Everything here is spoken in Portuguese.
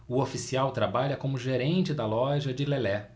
o oficial trabalha como gerente da loja de lelé